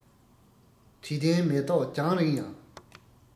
དྲི ལྡན མེ ཏོག རྒྱང རིང ཡང